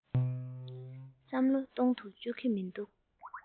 བསམ བློ གཏོང དུ བཅུག གི མི འདུག